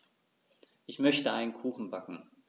Ich möchte einen Kuchen backen.